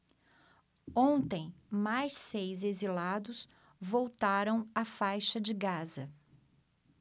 ontem mais seis exilados voltaram à faixa de gaza